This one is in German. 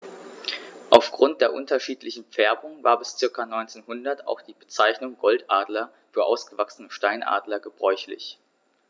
Auf Grund der unterschiedlichen Färbung war bis ca. 1900 auch die Bezeichnung Goldadler für ausgewachsene Steinadler gebräuchlich.